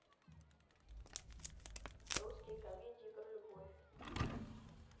русские комедии про любовь